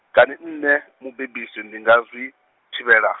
kani nṋe, mubebisi ndi nga zwi, thivhela?